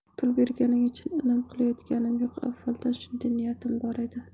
pul berganing uchun inom qilayotganim yo'q avvaldan shunday niyatim bor edi